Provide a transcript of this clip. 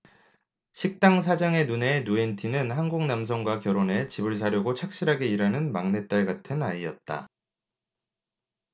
식당 사장의 눈에 누엔티는 한국 남성과 결혼해 집을 사려고 착실하게 일하는 막내딸 같은 아이였다